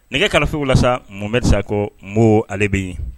Nɛgɛ kanafinw la sa mun bɛ sa ko bon ale bɛ yen